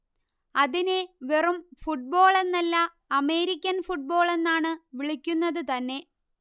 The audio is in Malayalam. അതിനെ വെറും ഫുട്ബോൾ എന്നല്ല അമേരിക്കൻ ഫുട്ബോൾ എന്നാണ് വിളിക്കുന്നത് തന്നെ